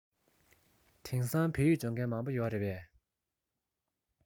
དེང སང བོད ཡིག སྦྱོང མཁན མང པོ ཡོད རེད པས